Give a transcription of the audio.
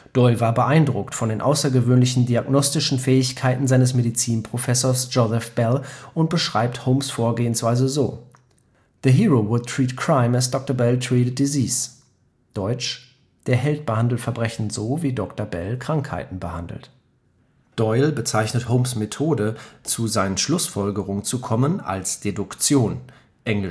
Doyle war beeindruckt von den außergewöhnlichen diagnostischen Fähigkeiten seines Medizinprofessors Joseph Bell und beschreibt Holmes’ Vorgehensweise so: “the hero would treat crime as Dr Bell treated disease.” (deutsch: „ Der Held behandelte Verbrechen so wie Dr. Bell Krankheiten behandelte. “) Doyle bezeichnet Holmes’ Methode, zu seinen Schlussfolgerungen zu kommen, als Deduktion (eng